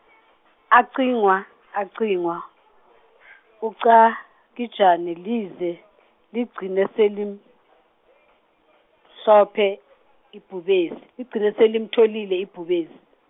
acingwa, acingwa, uChakijane lize , ligcine selimtshope- ibhubesi, e kheli selimtholile ibhubesi.